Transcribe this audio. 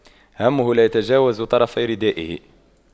همه لا يتجاوز طرفي ردائه